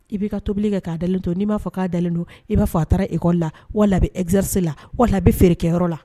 I b'i ka tobili kɛ k'a dalen to n'i b'a fɔ k'a dalen don i b'a fɔ a taara ikɔ la wala egrisi la wala bɛ feere kɛyɔrɔ la